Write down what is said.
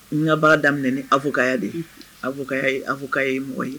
N ka'a daminɛ ni a fɔya de ye aya a fɔ' ye mɔgɔ ye